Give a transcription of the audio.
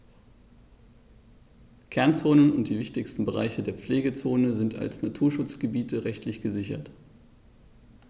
Kernzonen und die wichtigsten Bereiche der Pflegezone sind als Naturschutzgebiete rechtlich gesichert.